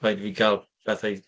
Rhaid i fi gael pethau.